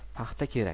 paxta kerak